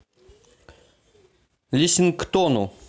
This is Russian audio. лексингтону